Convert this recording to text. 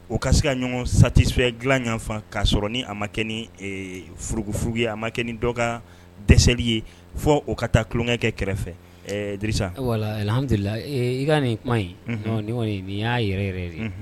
O ka se ka ɲɔgɔn satifɛ dilan ɲɔgɔnfan k'a sɔrɔ ni a ma kɛ furuf ye a ma kɛ nin dɔgɔ dɛsɛsɛ ye fɔ u ka taa tulonkɛkɛ kɛrɛfɛ ɛ walahadu i ka nin kuma in ni nin y'a yɛrɛ yɛrɛ de